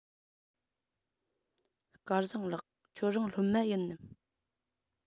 སྐལ བཟང ལགས ཁྱེད རང སློབ མ ཡིན ནམ